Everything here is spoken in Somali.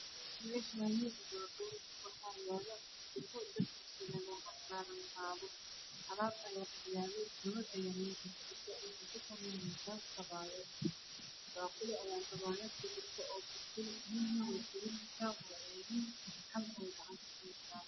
Meshani waa dhul waxaa yaalo jiko dab kashidan waxaa saaran xaabo alaab ayaa agyaalo gabar ayaa meesha fadhiso waxey kusameyneysaa sawaayad baaquli ayaa sawaayad ku jirta oo bisil midna wey karineysaa oo ceyriin kal ayeey gacanta ku heysaa